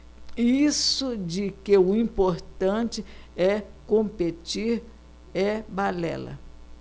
isso de que o importante é competir é balela